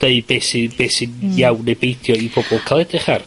deud be sydd be sy'n iawn neu beidio i pobol ca'l edrych ar.